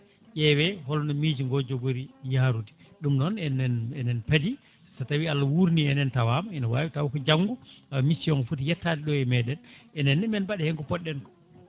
ƴeewi holno miijogo jogori yarude ɗum noon enen enen paadi so tawi Allah wurni en en tawama ene wawi taw ka janggo mission o foti yettade ɗo e meɗen enenne men mbaɗ hen ko poɗɗen ko